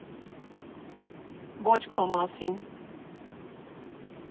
Ոչ քո մասին։